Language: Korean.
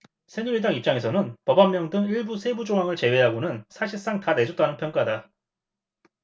새누리당 입장에서는 법안명 등 일부 세부조항을 제외하고는 사실상 다 내줬다는 평가다